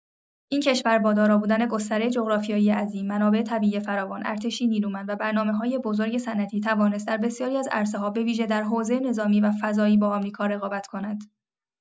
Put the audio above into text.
این کشور با دارا بودن گستره جغرافیایی عظیم، منابع طبیعی فراوان، ارتشی نیرومند و برنامه‌‌های بزرگ صنعتی توانست در بسیاری از عرصه‌ها به‌ویژه در حوزه نظامی و فضایی با آمریکا رقابت کند.